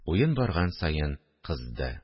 Уен барган саен кызды